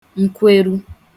nkweru